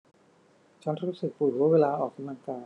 ฉันรู้สึกปวดหัวเวลาออกกำลังกาย